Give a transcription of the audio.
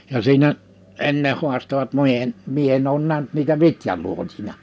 ja siinä ennen haastoivat minä minä en ole nähnyt niitä vitjaluotina